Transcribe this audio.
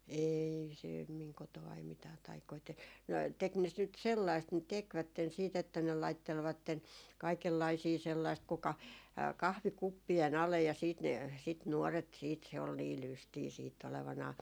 ei - minun kotonani mitään taikoja - no teki ne - nyt sellaista ne tekivät sitten että ne laittelivat kaikenlaisia sellaista kuka kahvikuppien alle ja sitten ne sitä nuoret sitten se oli niin lystiä sitten olevinaan